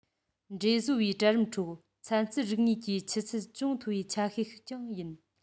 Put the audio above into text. འབྲེལ བཟོ པའི གྲལ རིམ ཁྲོད ཚན རྩལ རིག གནས ཀྱི ཆུ ཚད ཅུང མཐོ བའི ཆ ཤས ཤིག ཀྱང ཡིན